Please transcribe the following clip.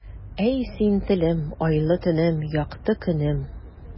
Әй, син, телем, айлы төнем, якты көнем.